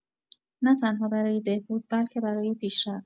نه‌تنها برای بهبود، بلکه برای پیشرفت